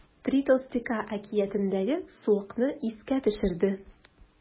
“три толстяка” әкиятендәге суокны искә төшерде.